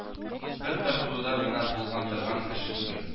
Бер тартуыда гына була торган эш түгел